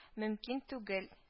Мөмкин түгел